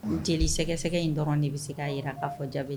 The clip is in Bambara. Joli sɛgɛsɛgɛ in dɔrɔn de bɛ se k'a jira k'a fɔ